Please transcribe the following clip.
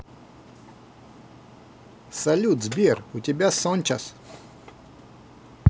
салют сбер у тебя сончас